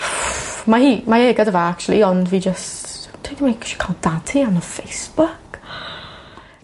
ma' hi mae e gyda fe actually ond fi jyst isio ca'l dad ti arno Facebook.